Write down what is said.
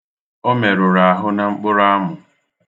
Ọ merụrụ ahụ na mkpụrụamụ.